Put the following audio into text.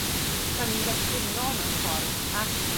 rhyng destunol mewn ffordd at